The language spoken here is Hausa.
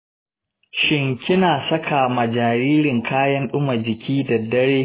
shin kina saka ma jaririn kayan ɗuma jiki da dare?